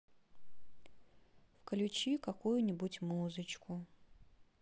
включи какую нибудь музычку